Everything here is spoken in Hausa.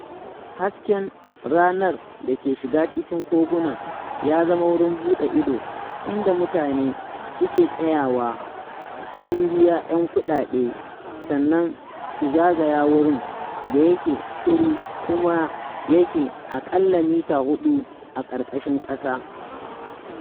Hasken ranar da ke shiga cikin kogunan ya zama wurin buɗe ido, inda mutane suke tsayawa, sun biya 'yan kuɗaɗe, sannan su zagaya wurin da yake shiru kuma yake aƙalla mita huɗu a ƙarƙashin ƙasa.